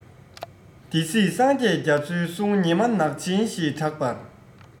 སྡེ སྲིད སངས རྒྱས རྒྱ མཚོའི གསུང ཉི མ ནག ཆེན ཞེས གྲགས པ